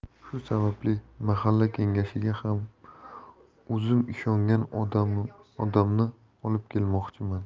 shu sababli mahalla kengashiga ham o'zim ishongan odamni olib kelmoqchiman